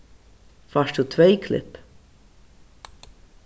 fært tú tvey klipp